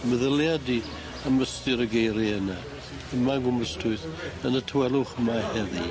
Meddylia di am ystyr y geirie hyna yma yn Gwm Ystwyth yn y tawelwch yma heddi.